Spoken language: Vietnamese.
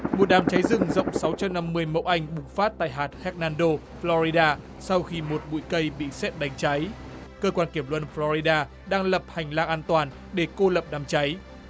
một đám cháy rừng rộng sáu trăm năm mươi mẫu anh bùng phát tại hạt hơ man đô phờ lo ri đa sau khi một bụi cây bị sét đánh cháy cơ quan kiểm luân phờ lo ri đa đang lập hành lang an toàn để cô lập đám cháy